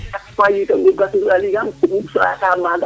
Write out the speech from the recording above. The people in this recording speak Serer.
*